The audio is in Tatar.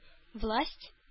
Власть